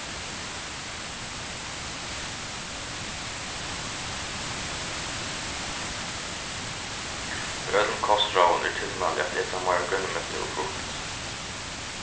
í øllum kostráðum er tilmælið at eta meira grønmeti og frukt